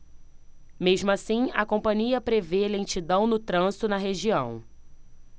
mesmo assim a companhia prevê lentidão no trânsito na região